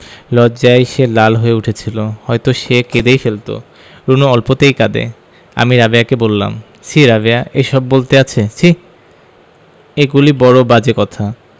লজ্জায় সে লাল হয়ে উঠেছিলো হয়তো সে কেঁদেই ফেলতো রুনু অল্পতেই কাঁদে আমি রাবেয়াকে বললাম ছিঃ রাবেয়া এসব বলতে আছে ছিঃ এগুলি বড় বাজে কথা